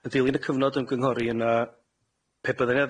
Yn dilyn y cyfnod ymgynghori yna pe bydda' 'na